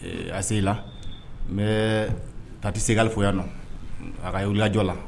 Ɛɛ A C I la . N bɛ pati segal fo yan nɔ . A ka wuli ka jɔ la